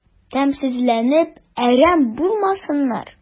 Тәмсезләнеп әрәм булмасыннар...